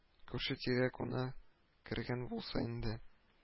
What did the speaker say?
Күрше-тирә куна кергән булса инде